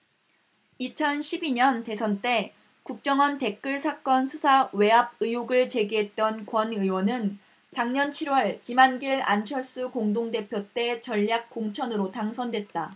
이천 십 이 년 대선 때 국정원 댓글 사건 수사 외압 의혹을 제기했던 권 의원은 작년 칠 월 김한길 안철수 공동대표 때 전략 공천으로 당선됐다